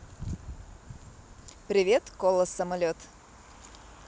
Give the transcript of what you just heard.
привет кола самолет